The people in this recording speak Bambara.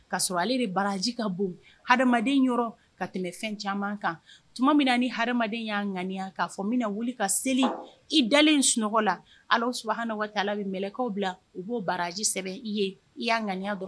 Ka sɔrɔ ale de baraji ka bon hadamaden yɔrɔ ka tɛmɛ fɛn caman kan. Tuma min na ni hadamaden y'a ŋaniya ka fɔ nbɛ na wuli ka seli, i dalen sunɔgɔ la Alahu subahanahu Wataala bɛ mɛlɛkɛw bila u b'o baraji sɛbɛn i ye i y'a ŋaniya dɔrɔn